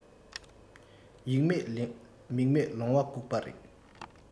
ཡིག མེད མིག མེད ལོང བ སྐུགས པ རེད